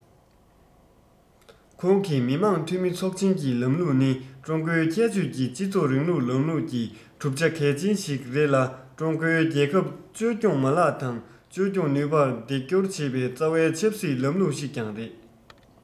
ཁོང གིས མི དམངས འཐུས མི ཚོགས ཆེན གྱི ལམ ལུགས ནི ཀྲུང གོའི ཁྱད ཆོས ཀྱི སྤྱི ཚོགས རིང ལུགས ལམ ལུགས ཀྱི གྲུབ ཆ གལ ཆེན ཞིག རེད ལ ཀྲུང གོའི རྒྱལ ཁབ བཅོས སྐྱོང མ ལག དང བཅོས སྐྱོང ནུས པར འདེགས སྐྱོར བྱེད པའི རྩ བའི ཆབ སྲིད ལམ ལུགས ཤིག ཀྱང རེད